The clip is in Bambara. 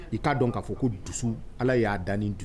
I k'a dɔn k'a fɔ ko dusu ala y'a dan nin dun